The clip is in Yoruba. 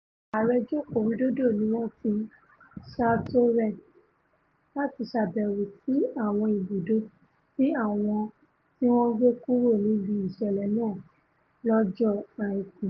Ààrẹ Joko Widodo ni wọ́n ti ṣààtò rẹ̀ láti ṣàbẹ̀wò sí àwọn ibùdó tí àwọn tíwọn gbé kuro níbi ìṣẹ̀lẹ̀ náà lọ́jọ́ Àìkú.